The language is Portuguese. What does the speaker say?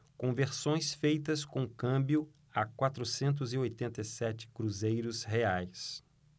conversões feitas com câmbio a quatrocentos e oitenta e sete cruzeiros reais